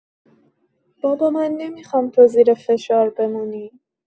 بابا، من نمی‌خوام تو زیر فشار بمونی.